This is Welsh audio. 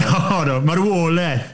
O do, marwolaeth.